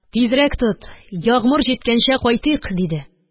– тизрәк тот, ягъмур җиткәнчә кайтыйк! – диде.